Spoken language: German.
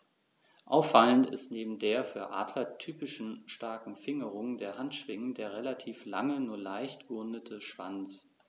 Auffallend ist neben der für Adler typischen starken Fingerung der Handschwingen der relativ lange, nur leicht gerundete Schwanz.